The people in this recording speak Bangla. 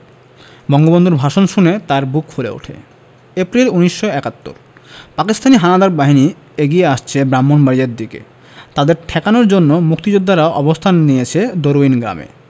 বঙ্গবন্ধুর ভাষণ শুনে তাঁর বুক ফুলে ওঠে এপ্রিল ১৯৭১ পাকিস্তানি হানাদার বাহিনী এগিয়ে আসছে ব্রাহ্মনবাড়িয়ার দিকে তাদের ঠেকানোর জন্য মুক্তিযোদ্ধারা অবস্থান নিয়েছেন দরুইন গ্রামে